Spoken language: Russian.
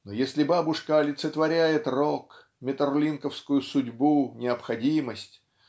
Но если бабушка олицетворяет рок меттерлинковскую судьбу необходимость